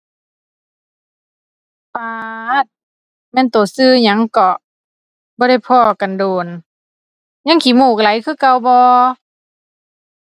ป๊าด แม่นโตชื่อหยังเกาะ บ่ได้พ้อกันโดน ยังขี้มูกไหลคือเก่าบ่